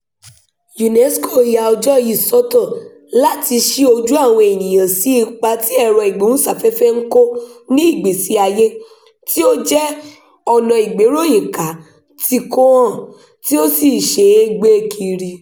UNESCO yà ọjọ́ yìí sọ́tọ̀ láti ṣí ojú àwọn ènìyàn sí ipa tí ẹ̀rọ-ìgbóhùnsáfẹ́fẹ́ ń kó ní ìgbésí ayé — tí ó jẹ́ ọ̀nà ìgbéròyìnká tí kò hàn, tí ó sì ṣe é gbé kiri.